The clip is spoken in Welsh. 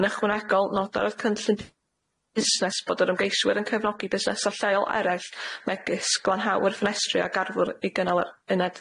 Yn ychwanegol noda'r o'dd cynllun busnes bod yr ymgeiswyr yn cefnogi busnesau lleol eraill megis glanhawyr ffenestri ag arfwr i gynnal yr uned.